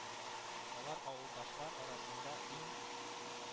Алар авылдашлар арасында иң